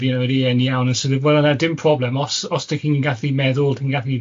ydi ydi e'n iawn and sor' of well na dim problem. Os os dach chi'n gallu meddwl, chi'n gallu